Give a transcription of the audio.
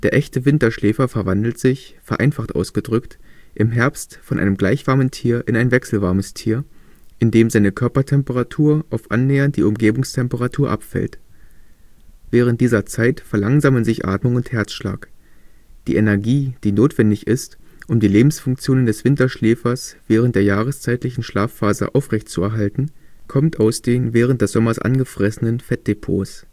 echte Winterschläfer verwandelt sich – vereinfacht ausgedrückt – im Herbst von einem gleichwarmen Tier in ein wechselwarmes Tier, indem seine Körpertemperatur auf annähernd die Umgebungstemperatur abfällt. Während dieser Zeit verlangsamen sich Atmung und Herzschlag. Die Energie, die notwendig ist, um die Lebensfunktionen des Winterschläfers während der jahreszeitlichen Schlafphase aufrechtzuerhalten, kommt aus den während des Sommers angefressenen Fettdepots